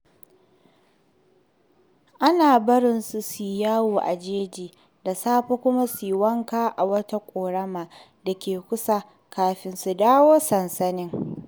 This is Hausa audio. Ana barinsu su yi yawo a jeji da safe kuma su yi wanka a wata ƙorama da ke kusa kafin su dawo sansanin.